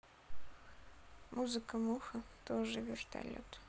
музыка муха тоже вертолет